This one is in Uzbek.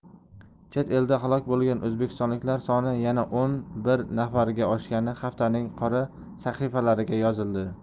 chet elda halok bo'lgan o'zbekistonliklar soni yana o'n bir nafarga oshgani haftaning qora sahifalariga yozildi